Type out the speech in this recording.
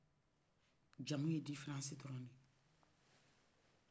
jamuye diferansi dɔrɔ de ye